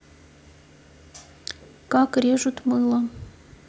как режут мыло